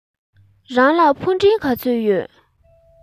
རང ལ ཕུ འདྲེན ག ཚོད ཡོད